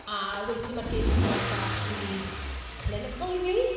a weithiau mae'r geiriau Cymraeg bach rhy clinical i fi?